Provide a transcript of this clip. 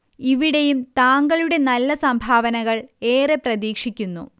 ഇവിടെയും താങ്കളുടെ നല്ല സംഭാവനകൾ ഏറെ പ്രതീക്ഷിക്കുന്നു